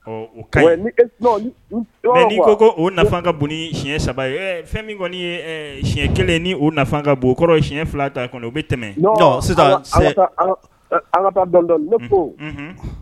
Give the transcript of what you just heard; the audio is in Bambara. Ɔ o ka ɲi mais n'i ko ko o nafafan ka bon siɲɛ saba ye fɛn min kɔni ye siɲɛ kelen ni' nafa ka bon o kɔrɔ siɲɛ fila ta kɔni o bɛ tɛmɛ non sisan an ka an ka taa dɔɔnin-dɔɔnin ne ko